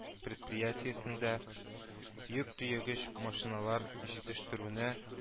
Предприятиесендә йөк төягеч машиналар җитештерүне